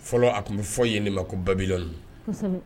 Fɔlɔ a tun bɛ fɔ ye ne ma ko babi